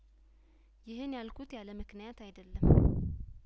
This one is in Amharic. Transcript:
ይህን ያልኩት ያለ ምክንያት አይደለም